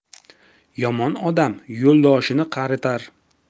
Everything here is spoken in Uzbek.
yomon odam yo'ldoshini qaritar